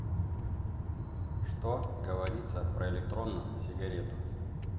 что говорится про электронную сигарету